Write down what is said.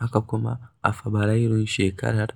Haka kuma, a Fabarairun shekarar